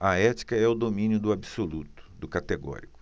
a ética é o domínio do absoluto do categórico